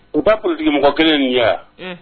U ka p mɔgɔ kelen nin wa